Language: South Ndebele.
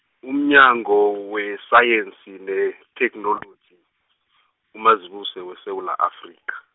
umnyango weSayensi netheknoloji, uMazibuse weSewula Afrika.